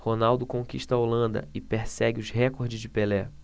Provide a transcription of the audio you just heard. ronaldo conquista a holanda e persegue os recordes de pelé